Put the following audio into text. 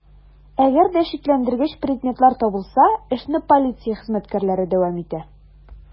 Әгәр дә шикләндергеч предметлар табылса, эшне полиция хезмәткәрләре дәвам итә.